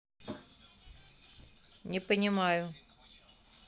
не понимаю